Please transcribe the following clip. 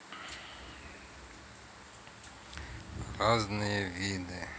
разные виды